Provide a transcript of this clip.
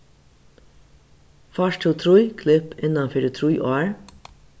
fært tú trý klipp innan fyri trý ár